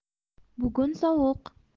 bugun sovuq